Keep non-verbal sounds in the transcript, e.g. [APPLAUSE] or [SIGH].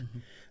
[HESITATION] [HESITATION]